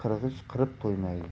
qirg'ich qirib qo'ymaydi